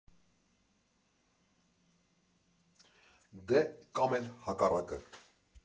Դե, կամ էլ հակառակը։